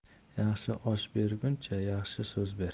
yaxshi osh berguncha yaxshi so'z ber